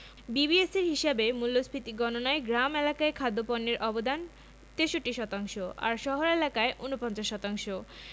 বিবিএসের হিসাবে মূল্যস্ফীতি গণনায় গ্রাম এলাকায় খাদ্যপণ্যের অবদান ৬৩ শতাংশ আর শহর এলাকায় ৪৯ শতাংশ